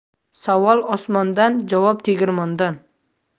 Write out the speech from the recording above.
savol osmondan javob tegirmondan